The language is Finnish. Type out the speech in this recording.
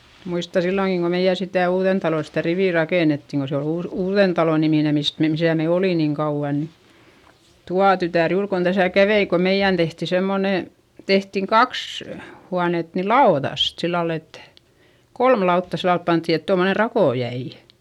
muistan silloinkin kun meidän sitä Uudentalon sitä riviä rakennettiin kun se oli - Uudentalon niminen mistä - missä me olimme niin kauan niin tuo tytär juuri kun tässä kävi kun meidän tehtiin semmoinen tehtiin kaksi huonetta niin laudasta sillä lailla että kolme lautaa sillä lailla pantiin että tuommoinen rako jäi